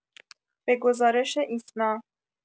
به گزارش ایسنا